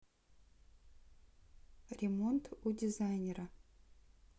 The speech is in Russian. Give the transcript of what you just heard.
ремонт у дизайнера